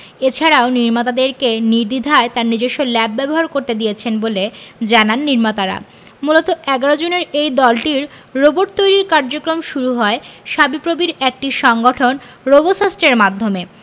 এছাড়াও নির্মাতাদেরকে নির্দ্বিধায় তার নিজস্ব ল্যাব ব্যবহার করতে দিয়েছেন বলে জানান নির্মাতারামূলত ১১ জনের এই দলটির রোবট তৈরির কার্যক্রম শুরু হয় শাবিপ্রবির একটি সংগঠন রোবোসাস্টের মাধ্যমে